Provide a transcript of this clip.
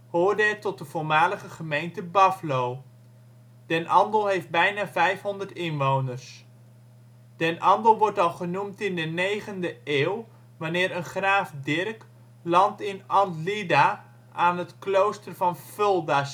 hoorde het tot de voormalige gemeente Baflo. Den Andel heeft bijna 500 inwoners. Den Andel wordt al genoemd in de 9e eeuw wanneer een graaf Dirk land in ' Antlida ' aan het klooster van Fulda